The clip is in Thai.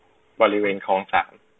บริเวณคลองสาร